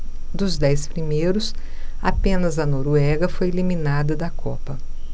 dos dez primeiros apenas a noruega foi eliminada da copa